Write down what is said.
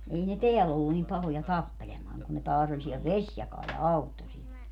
ei ne täällä ollut niin pahoja tappelemaan kuin ne taas oli siellä Vesijakaalla ja Auttosilla